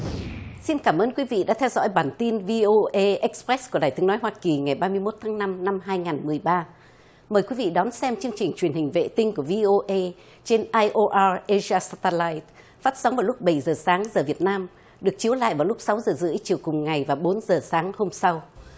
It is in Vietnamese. xin cảm ơn quý vị đã theo dõi bản tin vi ô ê ích pét của đài tiếng nói hoa kỳ ngày ba mươi mốt tháng năm năm hai ngàn mười ba mời quý vị đón xem chương trình truyền hình vệ tinh của vi ô ê trên ai ô a i sát pa lai phát sóng vào lúc bảy giờ sáng giờ việt nam được chiếu lại vào lúc sáu giờ rưỡi chiều cùng ngày và bốn giờ sáng hôm sau